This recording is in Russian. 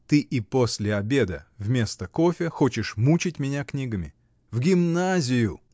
Ты и после обеда, вместо кофе, хочешь мучить меня книгами: в гимназию!